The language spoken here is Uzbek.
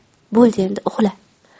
bo'ldi endi uxla